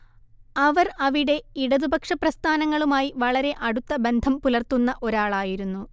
അവർ അവിടെ ഇടതുപക്ഷപ്രസ്ഥാനങ്ങളുമായി വളരെ അടുത്ത ബന്ധം പുലർത്തുന്ന ഒരാളായിരുന്നു